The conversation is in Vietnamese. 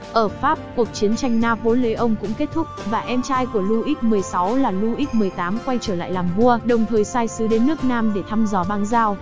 ở pháp cuộc chiến tranh napoleon cũng kết thúc và em trai của louis xvi là louis xviii quay trở lại làm vua đồng thời sai sứ đến nước nam để thăm dò bang giao